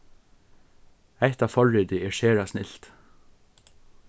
hetta forritið er sera snilt